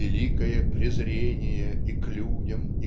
Великое презрение и к людям